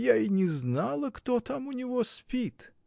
Я и не знала, кто там у него спит!